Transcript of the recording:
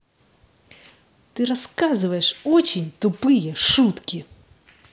ты рассказываешь очень тупые шутки